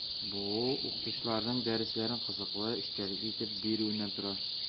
Бу – укытучыларның дәресләрен кызыклы, эчтәлекле итеп бирүеннән тора.